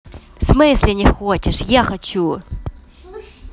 в смысле не хочешь я хочу